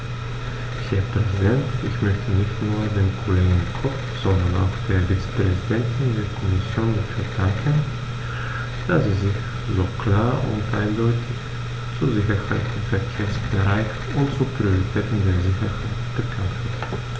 Herr Präsident, ich möchte nicht nur dem Kollegen Koch, sondern auch der Vizepräsidentin der Kommission dafür danken, dass sie sich so klar und eindeutig zur Sicherheit im Verkehrsbereich und zur Priorität der Sicherheit bekannt hat.